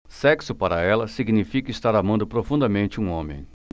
sexo para ela significa estar amando profundamente um homem